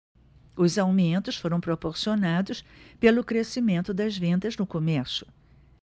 os aumentos foram proporcionados pelo crescimento das vendas no comércio